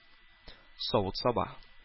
Савыт-саба